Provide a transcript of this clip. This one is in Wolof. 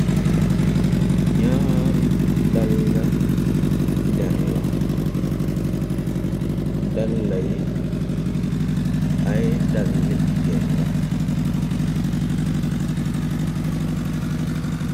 Nyari dalla deer la dalla ye aye dalla jegain la.